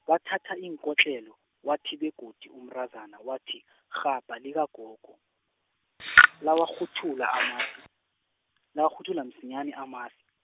bathatha iinkotlelo, wathi begodu umntazana wathi , irhabha likagogo, lawakghuthula amasi, lawakghuthula msinyani amasi.